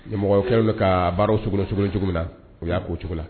Yamɔgɔ kɛlen ka baaraw sogo cogo cogo min na o y'a' o cogo la